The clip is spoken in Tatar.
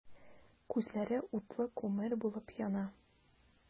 Күзләре утлы күмер булып яна.